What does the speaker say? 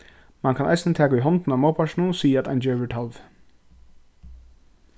mann kann eisini taka í hondina á mótpartinum og siga at ein gevur talvið